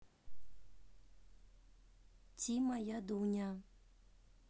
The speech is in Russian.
ти моя дуня